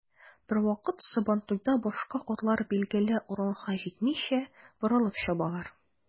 Бервакыт сабантуйда башка атлар билгеле урынга җитмичә, борылып чабалар.